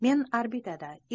men orbitada